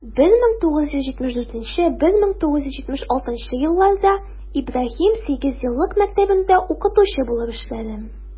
1974 - 1976 елларда ибраһим сигезьеллык мәктәбендә укытучы булып эшләдем.